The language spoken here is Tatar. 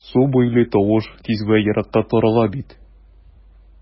Су буйлый тавыш тиз вә еракка тарала бит...